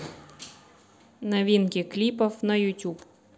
новинки клипов на ютюб